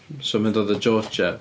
So mae o'n dod o Georgia.